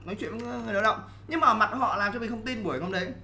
nói chuyện với người lao động nhưng mà mặt họ làm cho mình không tin buổi hôm ấy